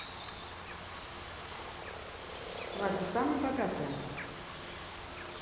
свадьба самая богатая